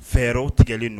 Fɛw tigɛlen don